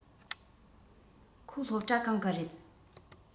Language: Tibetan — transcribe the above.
ཁོ སློབ གྲྭ གང གི རེད